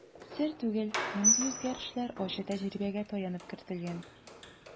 Сер түгел, мондый үзгәрешләр ачы тәҗрибәгә таянып кертелгән.